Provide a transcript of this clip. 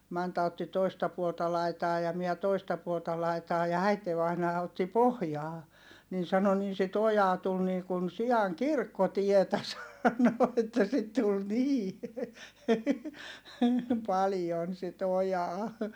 Manta otti toista puolta laitaa ja minä toista puolta laitaa ja äitivainaa otti pohjaa niin sanoi niin sitä ojaa tuli niin kuin sian kirkkotietä sanoi että sitä tuli niin paljon sitä ojaa